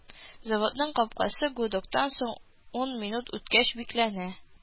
Заводның капкасы гудоктан соң ун минут үткәч бикләнә